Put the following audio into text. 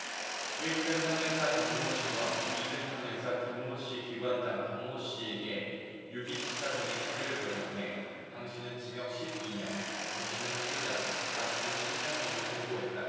일 등 항해사 강모씨와 이 등 항해사 김모씨 기관장 박모씨에게 유기치사 등의 혐의를 적용해 강씨는 징역 십 이 년 김씨는 칠 년 박씨는 십 년 형을 선고했다